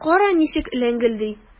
Кара, ничек ләңгелди!